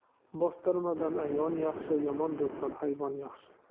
bostirmadan ayvon yaxshi yomon do'stdan hayvon yaxshi